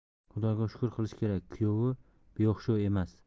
xudoga shukr qilishi kerak kuyovi beo'xshov emas